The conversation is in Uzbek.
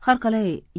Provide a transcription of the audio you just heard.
har qalay